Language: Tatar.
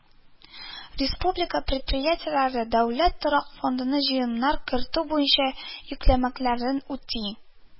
Республика предприятиеләре Дәүләт торак фондына җыемнар кертү буенча йөкләмәләрен үти